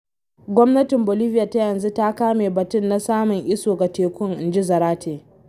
“Gwamnatin Bolivia ta yanzun ta kame batun na samun iso ga tekun,” inji Zárate.